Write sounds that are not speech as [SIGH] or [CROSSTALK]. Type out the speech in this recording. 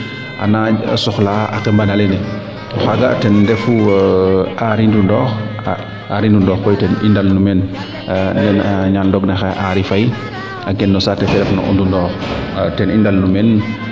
ana soxla a a qembanda leene o xaaga ten refu Henri Ndoundokh Henri Ndoundokh koy ten i ndalnu meen [UNINTELLIGIBLE] Henri Faye a gen no saate fe refna o Ndoundokh ten i ndalnu meen